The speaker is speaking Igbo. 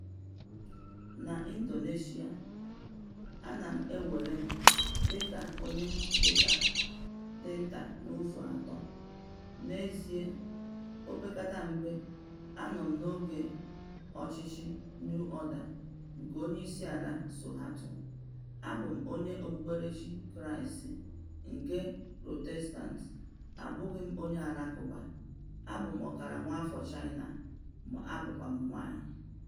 N'Indonesia, a na-ewere m dịka onye dị nta n'ụzọ atọ - n'ezie, opekata mpe, anọ m n'oge ọchịchị New Order nke Onyeisiala Suharto: Abụ m onye Okpukperechi Kraịst nke Protestant, ọ bụghị onye Alakụba, abụ m ọkara nwaafọ China, ma abụkwa m nwaanyị.